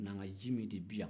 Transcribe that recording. n'an ka ji min de bɛ yan